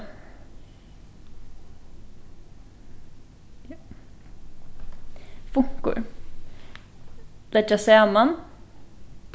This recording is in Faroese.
funkur leggja saman